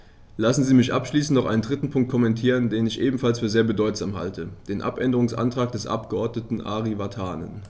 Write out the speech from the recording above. Lassen Sie mich abschließend noch einen dritten Punkt kommentieren, den ich ebenfalls für sehr bedeutsam halte: den Abänderungsantrag des Abgeordneten Ari Vatanen.